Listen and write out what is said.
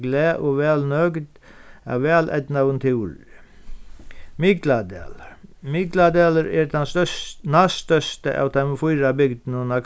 glað og væl nøgd av væleydnaðum túri mikladalur mikladalur er tann næststørsta av teimum fýra bygdunum á